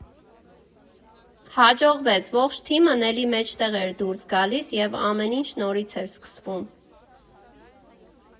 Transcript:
Հաջողվեց՝ ողջ թիմն էլի մեջտեղ էր դուրս գալիս, և ամեն ինչ նորից էր սկսվում։